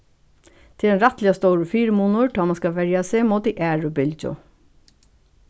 tað er ein rættiliga stórur fyrimunur tá mann skal verja seg móti aðru bylgju